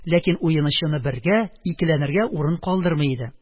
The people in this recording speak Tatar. Ләкин уены-чыны бергә, икеләнергә урын калдырмый иде